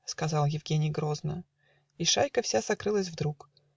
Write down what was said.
- сказал Евгений грозно, И шайка вся сокрылась вдруг